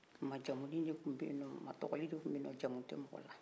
majumuli de tun bɛyenɔn matɔgɔli de tunbɛye jamu tɛ mɔgɔ la